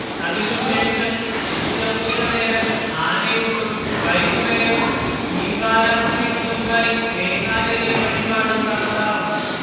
അതിനുശേഷം ഉച്ചപൂജനേരം ആനയൂട്ടും വൈകുന്നേരം ദീപാരാധനക്കുമുൻപായി തേങ്ങായെറിയല്‍ വഴിപാടും നടത്താറുണ്ട്